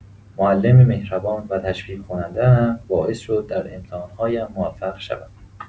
معلم مهربان و تشویق‌کننده‌ام باعث شد در امتحان‌هایم موفق شوم.